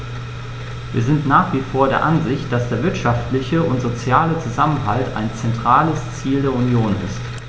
Wir sind nach wie vor der Ansicht, dass der wirtschaftliche und soziale Zusammenhalt ein zentrales Ziel der Union ist.